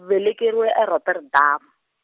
velekeriwe e- Rotterdam.